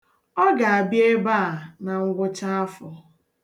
Ọ ga-abịa ebe a na ngwụcha afọ.